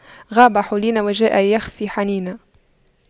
غاب حولين وجاء بِخُفَّيْ حنين